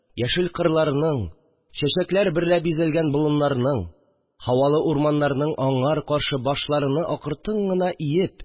Яшел кырларның, чәчәкләр берлә бизәлгән болыннарның, һавалы урманнарның аңар каршы башларыны акыртын гына иеп